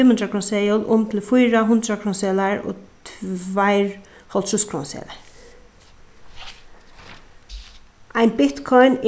fimmhundraðkrónuseðil um til fýra hundraðkrónuseðlar og tveir hálvtrýsskrónuseðlar ein bitcoin